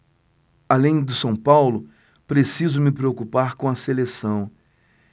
além do são paulo preciso me preocupar com a seleção